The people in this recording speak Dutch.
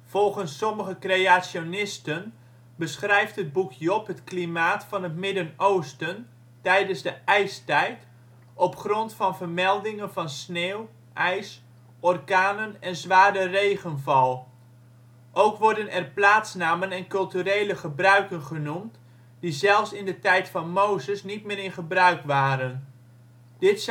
Volgens sommige creationisten beschrijft het boek Job het klimaat van het Midden-Oosten tijdens de ijstijd op grond van vermeldingen van sneeuw, ijs, orkanen en zware regenval. Ook worden er plaatsnamen en culturele gebruiken genoemd die zelfs in de tijd van Mozes niet meer in gebruik waren. Dit